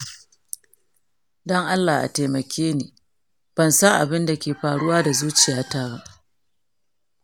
dan allah a taimake ni, ban san abin da ke faruwa da zuciyata ba.